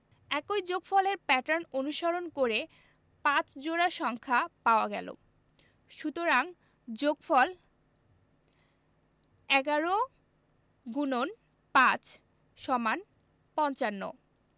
একই যোগফলের প্যাটার্ন অনুসরণ করে ৫ জোড়া সংখ্যা পাওয়া গেল সুতরাং যোগফল ১১x৫=৫৫